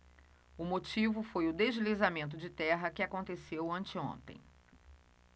o motivo foi o deslizamento de terra que aconteceu anteontem